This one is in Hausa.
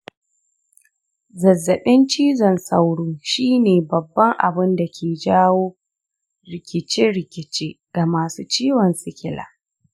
zazzaɓin cizon sauro shine babban abunda ke jawo rikice rikice ga masu ciwon sikila.